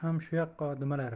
ham shu yoqqa dumalar